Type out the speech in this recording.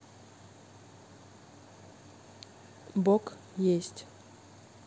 бог есть